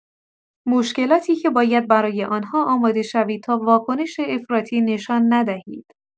مشکلاتی که باید برای آن‌ها آماده شوید تا واکنش افراطی نشان ندهید.